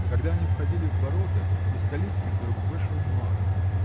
Когда они входили в ворота, из калитки вдруг вышел Марк.